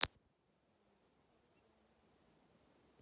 значит вооружен